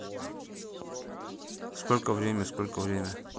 сколько время сколько время